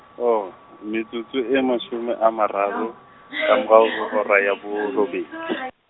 oh, metsotso e mashome a mararo, ka morao ho hora ya bo robedi .